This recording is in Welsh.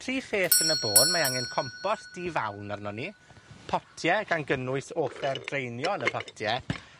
tri pheth yn y bôn. Mae angen compost di fawn arnon ni, potie, gan gynnwys offer dreinio yn y potie,